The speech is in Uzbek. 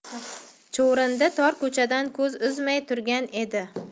chuvrindi tor ko'chadan ko'z uzmay turgan edi